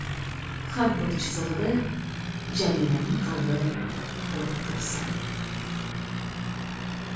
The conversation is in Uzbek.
har bir chizig'ida jamilaning qalbi urib tursin